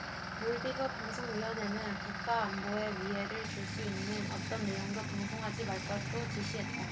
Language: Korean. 몰디브 방송위원회는 국가안보에 위해를 줄 수 있는 어떤 내용도 방송하지 말 것도 지시했다